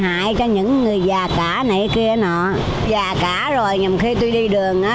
hại cho những người già cả này kia nọ già cả rồi nhiều khi tôi đi đường